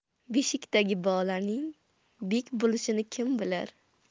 beshikdagi bolaning bek bo'lishini kim bilar